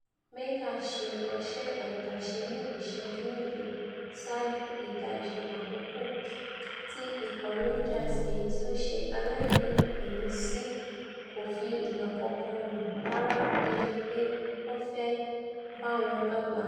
Menga ṣe ọṣẹ́ àìtàṣe ní ìṣẹ́jú méje saájú ìdajì-àkókò tí ikọ̀ Rangers èyití ó ṣe aláìní ìnísí kòfi ìgbà kankan wò rárá bí ẹnipé wọ́n fẹ́ báwọn dọ́gba.